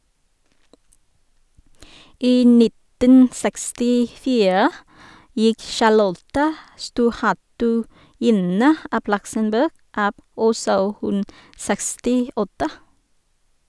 I 1964 gikk Charlotte, storhertuginne av Luxembourg, av, også hun 68.